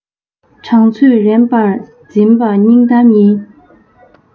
དྲང ཚོད རན པར འཛིན པ སྙིང གཏམ ཡིན